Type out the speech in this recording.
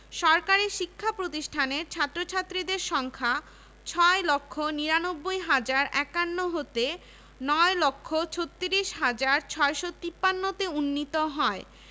১৩ সদস্যের একটি কমিটি নিয়োগ করা হয় এ কমিটির সদস্য ছিলেন বাংলার গণশিক্ষা অধিদপ্তরের পরিচালক জি.ডব্লিউ কুচলার কলকাতা হাইকোর্টের অ্যাডভোকেট ড. রাসবিহারী ঘোষ